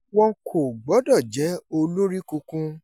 Wọn kò gbọdọ̀ jẹ́ olórikunkun.